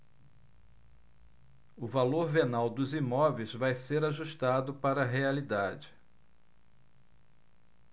o valor venal dos imóveis vai ser ajustado para a realidade